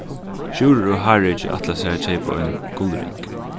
sjúrður og háreki ætla sær at keypa ein gullring